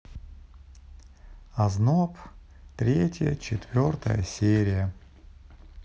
озноб третья четвертая серия